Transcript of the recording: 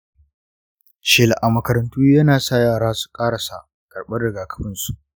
shela a makarantu yana sa yara su ƙarasa karɓar rigakafin su.